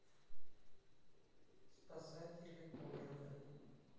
спасатели города